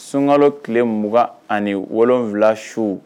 Sunkalo tile 2ugan ani wɔwula su